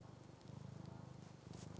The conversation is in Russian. бедный папочка оранжевая корова ютуб